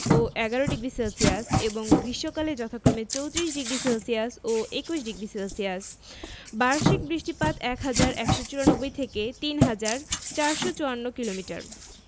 ও ১১ডিগ্রি সেলসিয়াস এবং গ্রীষ্মকালে যথাক্রমে ৩৪ডিগ্রি সেলসিয়াস ও ২১ডিগ্রি সেলসিয়াস বার্ষিক বৃষ্টিপাত ১হাজার ১৯৪ থেকে ৩হাজার ৪৫৪ কিলোমিটার